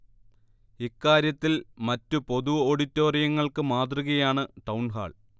ഇക്കാര്യത്തിൽ മറ്റു പൊതു ഓഡിറ്റോറിയങ്ങൾക്ക് മാതൃകയാണ് ടൗൺഹാൾ